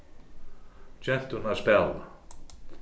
genturnar spæla